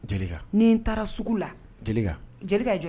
Jelika . Nin taara sugu la. Jelika. Jelika ye jɔn ye?